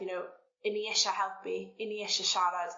...you know 'yn ni isia helpu 'yn ni isie siarad